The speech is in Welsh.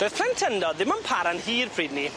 Doedd plentyndod ddim yn para'n hir pryd 'ny..